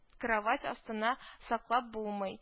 Кровать астына саклап булмый